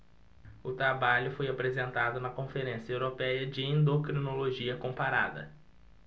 o trabalho foi apresentado na conferência européia de endocrinologia comparada